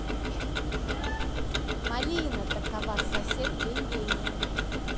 malina такова сосед день гения